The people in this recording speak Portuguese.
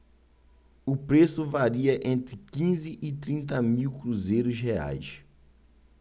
o preço varia entre quinze e trinta mil cruzeiros reais